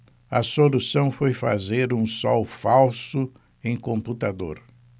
a solução foi fazer um sol falso em computador